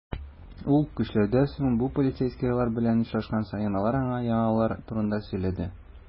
Ул, көчләүдән соң, бу полицейскийлар белән очрашкан саен, алар аңа янаулары турында сөйләде.